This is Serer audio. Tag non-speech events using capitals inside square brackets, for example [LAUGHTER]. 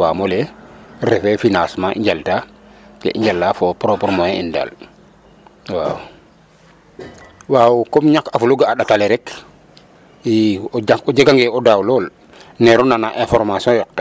waam o lay refee financement i njalta ke i njala ka i njala fo propre moyen in daal waaw [NOISE] .Waaw comme ñakaful o ga' a ƭat ale rek ii o jegange o daaw lool neero nannaa information yoq kee mayu ka kumpa'ang ii.